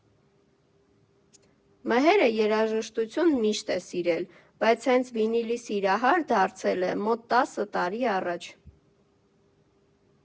Մհերը երաժշտություն միշտ է սիրել, բայց հենց վինիլի սիրահար դարձել է մոտ տասը տարի առաջ։